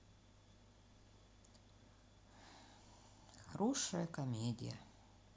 хорошая комедия